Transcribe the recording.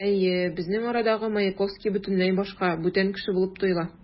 Әйе, безнең арадагы Маяковский бөтенләй башка, бүтән кеше булып тоела.